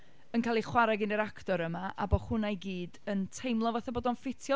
yn cael ei chwarae gan yr actor yma a bo' hwnna i gyd yn teimlo fatha bod o'n ffitio.